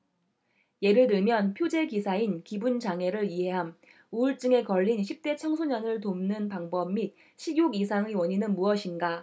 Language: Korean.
예를 들면 표제 기사인 기분 장애를 이해함 우울증에 걸린 십대 청소년을 돕는 방법 및 식욕 이상의 원인은 무엇인가